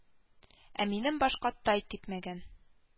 Ә минем башка тай типмәгән